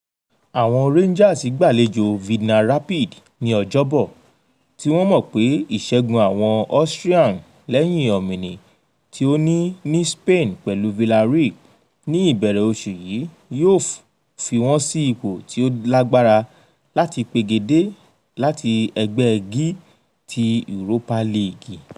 Àwọn Rangers gbàlejò Vidna Rapid ni Ọjọ́bọ̀, tí wọ́n mọ̀ pé ìṣẹ́gun àwọn Austrian, lẹ́hìn ọ̀mìnì tí ó ní ní Spain pẹ̀lú Villarreal ní ìbẹ̀ẹ̀rẹ̀ oṣù yí, yóò fi wọ́n sí ipò tí ó lágbára láti pegedé láti Ẹgbẹ́ G ti Ùrópà Lììgì